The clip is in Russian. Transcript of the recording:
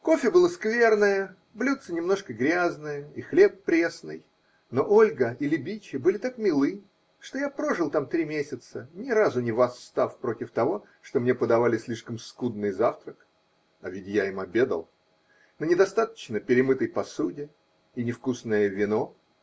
Кофе было скверное, блюдце немножко грязное и хлеб пресный, но Ольга или Биче были так милы, что я прожил там три месяца, ни разу не восстав против того, что мне подавали слишком скудный завтрак (а ведь я им обедал) на недостаточно перемытой посуде и невкусное вино.